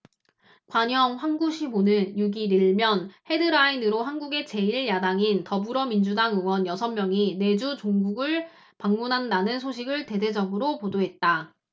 관영 환구시보는 육 일 일 면 헤드라인으로 한국의 제 일 야당인 더불어민주당 의원 여섯 명이 내주 중국을 방문한다는 소식을 대대적으로 보도했다